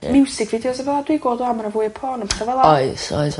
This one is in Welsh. Ie. Music videos a fel 'a dwi gweld o ma' 'na fwy o porn yn petha fel 'a. Oes oes.